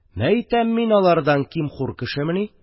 Мәйтәм, мин алардан ким-хур кешемени?